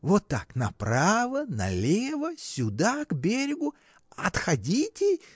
Вот так, направо, налево, сюда, к берегу! Отходите!